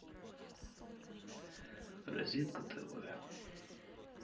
розетка тв